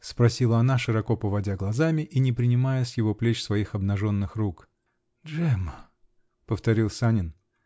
-- спросила она, широко поводя глазами и не принимая с его плеч своих обнаженных рук. -- Джемма! -- повторил Санин.